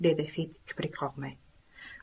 dedi fid kiprik qoqmay